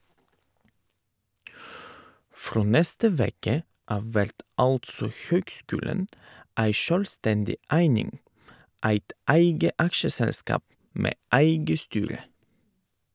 Frå neste veke av vert altså høgskulen ei sjølvstendig eining, eit eige aksjeselskap med eige styre.